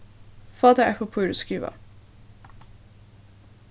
fá tær eitt pappír og skriva